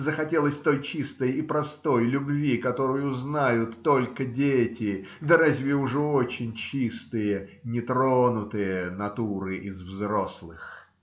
Захотелось той чистой и простой любви, которую знают только дети да разве очень уж чистые, нетронутые натуры из взрослых.